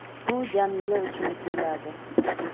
u jamila uchun kuyladi